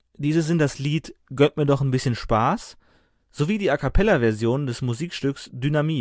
Diese sind das Lied Gönnt mir doch’ n bisschen Spaß sowie die A-cappella-Version des Musikstücks Dynamit